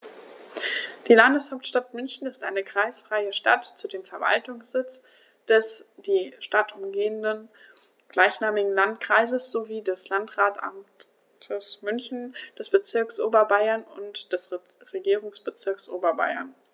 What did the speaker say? Die Landeshauptstadt München ist eine kreisfreie Stadt, zudem Verwaltungssitz des die Stadt umgebenden gleichnamigen Landkreises sowie des Landratsamtes München, des Bezirks Oberbayern und des Regierungsbezirks Oberbayern.